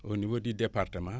au niveau du département